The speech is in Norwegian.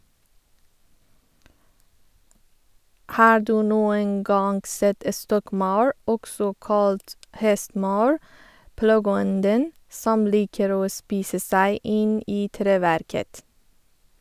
Har du noen gang sett stokkmaur, også kalt hestemaur, plageånden som liker å spise seg inn i treverket?